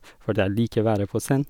Fordi jeg liker være på scenen.